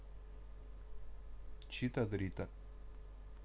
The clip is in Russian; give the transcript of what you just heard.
чита дрита